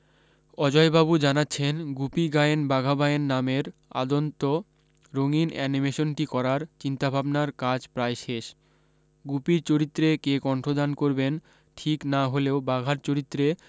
অজয়বাবু জানাচ্ছেন গুপি গায়েন বাঘা বায়েন নামের আদ্যন্ত রঙিন অ্যানিমেশনটি করার চিন্তাভাবনার কাজ প্রায় শেষ গুপির চরিত্রে কে কন্ঠদান করবেন ঠিক না হলেও বাঘার চরিত্রে